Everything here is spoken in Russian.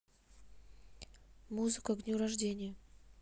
музыка к дню рождения